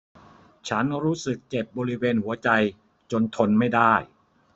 ฉันรู้สึกเจ็บบริเวณหัวใจจนทนไม่ได้